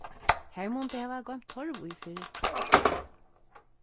har munnu tey hava goymt torv í fyrr